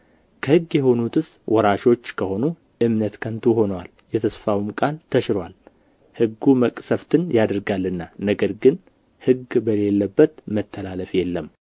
ከሕግ የሆኑትስ ወራሾች ከሆኑ እምነት ከንቱ ሆኖአል የተስፋውም ቃል ተሽሮአል ሕጉ መቅሠፍትን ያደርጋልና ነገር ግን ሕግ በሌለበት መተላለፍ የለም